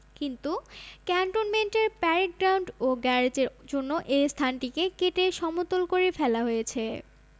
কিন্তু ক্যান্টনমেন্টের parade ground ও গ্যারেজের জন্য এ স্থানটিকে কেটে সমতল করে ফেলা হয়েছে